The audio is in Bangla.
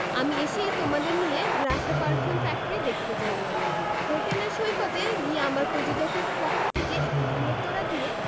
আমি এসেই তোমাদের নিয়ে গ্রাসে পারফিউম ফ্যাক্টরি দেখতে যাবো হোটেলের সৈকতে গিয়ে আমার প্রযোজকের পক্ষ থেকে একটি ফুলের তোড়া দিয়ে